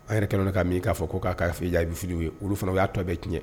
A yɛrɛ kɛnɛ k ka min k'a fɔ ko k'a'afe i ja i bɛfi ye olu fana y'a tɔ bɛ tiɲɛ ye